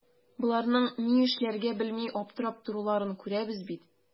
Боларның ни эшләргә белми аптырап торуларын күрәбез бит.